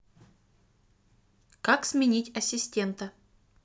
как сменить ассистента